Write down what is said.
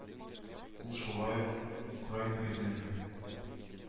Ул шулай ук украйны өйрәнү